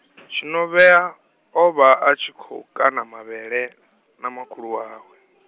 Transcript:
Tshinovhea, o vha a tshi khou kana mavhele, na makhulu wawe.